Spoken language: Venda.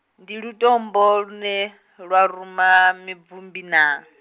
ndi lutombo lune, lwa ruma mibvumbi naa?